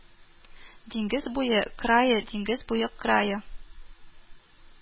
Диңгез буе крае Диңгез буе крае